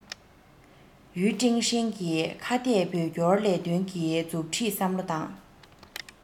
ཡུས ཀྲེང ཧྲེང གིས ཁ གཏད བོད སྐྱོར ལས དོན གྱི མཛུབ ཁྲིད བསམ བློ དང